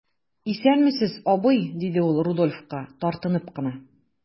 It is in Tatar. Исәнмесез, абый,– диде ул Рудольфка, тартынып кына.